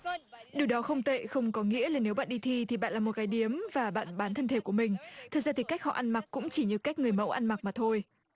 điều đó không tệ không có nghĩa là nếu bạn đi thi thì bạn là một gái điếm và bạn bán thân thể của mình thật ra thì cách họ ăn mặc cũng chỉ như cách người mẫu ăn mặc mà thôi